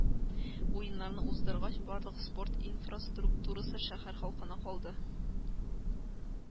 Уеннарны уздыргач, барлык спорт инфраструктурасы шәһәр халкына калды